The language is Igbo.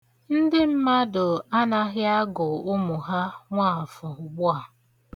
Ndị mmadụ anaghị agụ ụmụ Nwaàfọ̀ ugbu a.